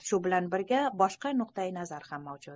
shu bilan birga boshqa nuqtai nazar ham mavjud